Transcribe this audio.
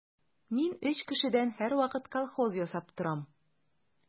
Мин өч кешедән һәрвакыт колхоз ясап торам.